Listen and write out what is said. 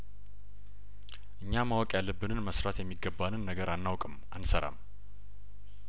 እኛ ማወቅ ያለብንን መስራት የሚገባንን ነገር አናውቅም አንሰራም